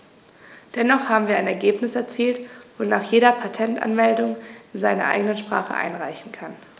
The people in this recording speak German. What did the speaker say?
Dennoch haben wir ein Ergebnis erzielt, wonach jeder Patentanmeldungen in seiner eigenen Sprache einreichen kann.